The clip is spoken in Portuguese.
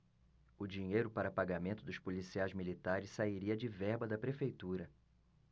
o dinheiro para pagamento dos policiais militares sairia de verba da prefeitura